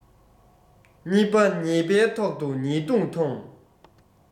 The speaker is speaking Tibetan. གཉིས པ ཉེས པའི ཐོག ཏུ ཉེས རྡུང ཐོང